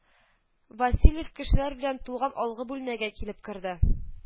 Васильев кешеләр белән тулган алгы бүлмәгә килеп керде